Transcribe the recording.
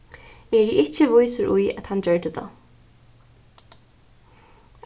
eg eri ikki vísur í at hann gjørdi tað